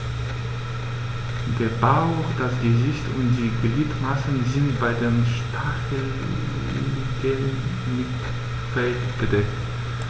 Der Bauch, das Gesicht und die Gliedmaßen sind bei den Stacheligeln mit Fell bedeckt.